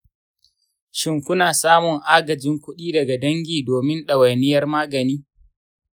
shin ku na samun agajin kuɗi daga dangi domin ɗawainiyar magani?